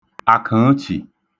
Àk̇ə̣̀ə̣chì